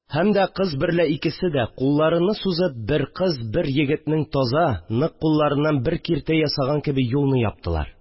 Һәм дә кыз берлә икесе дә, кулларыны сузып, бер кыз, бер егетнең таза, нык кулларыннан бер киртә ясаган кеби юлны яптылар